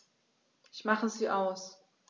Ich mache sie aus.